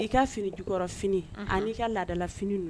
I ka fini jukɔrɔf ani ka ladala fini don